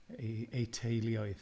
Eu eu teuluoedd.